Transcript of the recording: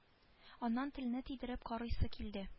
Аннан телне тидереп карыйсы килде